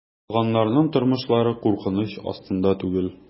Калганнарның тормышлары куркыныч астында түгел.